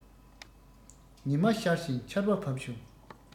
ཉི མ ཤར ཞིང ཆར བ བབས བྱུང